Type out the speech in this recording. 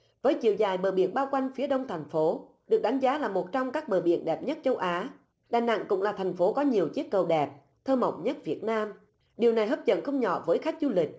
với chiều dài bờ biển bao quanh phía đông thành phố được đánh giá là một trong các bờ biển đẹp nhất châu á đà nẵng cũng là thành phố có nhiều chiếc cầu đẹp thơ mộng nhất việt nam điều này hấp dẫn không nhỏ với khách du lịch